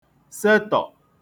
setọ̀